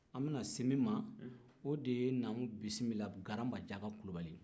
an bɛ na se min ma o de ye namubisimila garanbajaka kulibali ye